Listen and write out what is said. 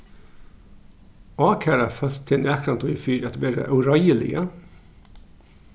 ákæra fólk teg nakrantíð fyri at vera óreiðiliga